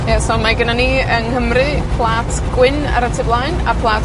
Ie, so, mae gynnon ni yng Nghymru plat gwyn ar y tu flaen, a plat